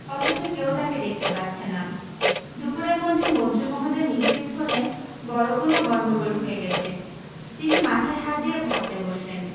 অথচ কেউ তাঁকে দেখতে পাচ্ছে না দুপুরের মধ্যে মন্ত্রী মহোদয় নিশ্চিত হলেন বড় কোনো গন্ডগোল হয়ে গেছে তিনি মাথায় হাত দিয়ে ভাবতে বসলেন